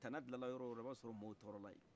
tana dilanna yɔrɔyɔrɔla iba sɔrɔ mɔ tɔrɔlaye